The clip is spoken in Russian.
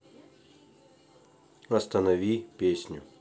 останови песню